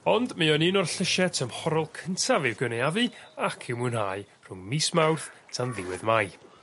Ond mi o'n un o'r llysie tymhorol cyntaf i'w gynaeafu ac i'w mwynhau rhwng mis Mawrth tan ddiwedd Mai.